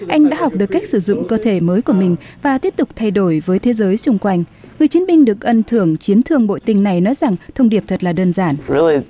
anh đã học được cách sử dụng cơ thể mới của mình và tiếp tục thay đổi với thế giới xung quanh với chiến binh được ân thường chiến thương bội tinh này nói rằng thông điệp thật là đơn giản